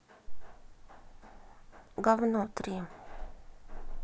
гавно три